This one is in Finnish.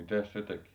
mitäs se teki